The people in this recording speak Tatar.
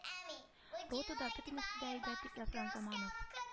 Ротада бөтенесе дә әйбәт дип язган заманов